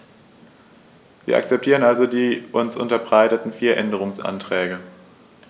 Wir akzeptieren also die uns unterbreiteten vier Änderungsanträge.